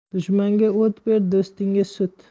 dushmanga o't ber do'stingga sut